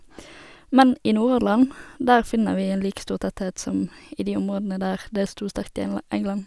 Men i Nordhordland der finner vi en like stor tetthet som i de områdene der det stod sterkt i enla England.